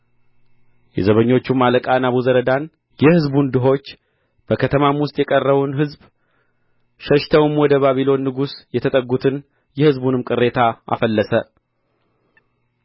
የዘበኞቹም አለቃ ናቡዘረዳን የሕዝቡን ድኆች በከተማም ውስጥ የቀረውን ሕዝብ ሸሽተውም ወደ ባቢሎን ንጉሥ የተጠጉትን የሕዝቡንም ቅሬታ አፈለሰ